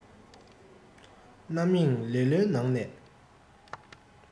རྣམ གཡེང ལེ ལོའི ནང ནས